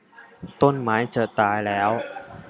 ต้นไม้จะตายแล้ว